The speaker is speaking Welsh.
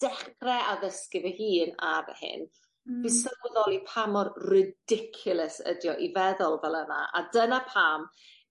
dechre addysgu fy hun am hyn... Hmm. ...fi sylweddoli pa mor ridiculous ydi o i' feddwl fel yna a dyna pam